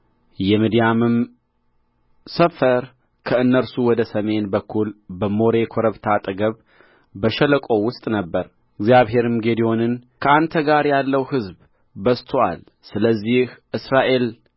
እግዚአብሔርም ጌዴዎንን ከአንተ ጋር ያለው ሕዝብ በዝቶአል ስለዚህ እስራኤል እጄ አዳነኝ ብሎ እንዳይታበይብኝ እኔ ምድያምን በእጃቸው አሳልፌ አልሰጣቸውም